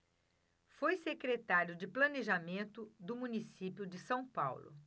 foi secretário de planejamento do município de são paulo